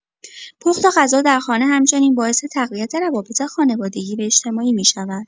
پخت غذا در خانه همچنین باعث تقویت روابط خانوادگی و اجتماعی می‌شود.